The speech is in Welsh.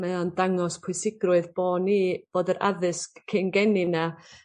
mae o yn dangos pwysigrwydd bo' ni bod yr addysg cyn geni 'na